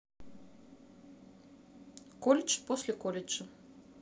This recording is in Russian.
колледж после колледжа